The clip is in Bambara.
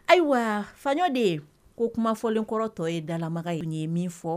Ayiwa faɲɔ de ye ko kumafɔlenkɔrɔ tɔ ye dalama ye ye min fɔ